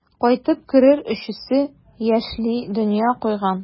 Кайтып керер өчесе яшьли дөнья куйган.